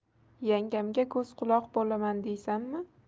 yangamga ko'z quloq bolaman deysanmi